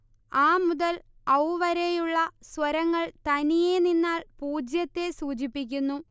അ മുതൽ ഔ വരെയുള്ള സ്വരങ്ങൾ തനിയേ നിന്നാൽ പൂജ്യത്തെ സൂചിപ്പിക്കുന്നു